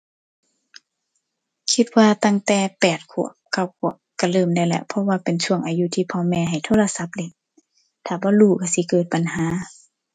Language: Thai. คิดว่าตั้งแต่แปดขวบ เก้าขวบก็เริ่มได้แล้ว เพราะว่าเป็นช่วงอายุที่พ่อแม่ให้โทรศัพท์เล่น ถ้าบ่รู้ก็สิเกิดปัญหา